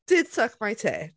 did suck my tit.